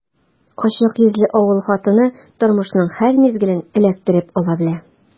Ачык йөзле авыл хатыны тормышның һәр мизгелен эләктереп ала белә.